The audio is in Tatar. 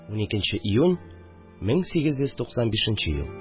12 нче июнь, 1895 ел